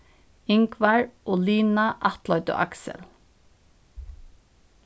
ingvar og lina ættleiddu aksel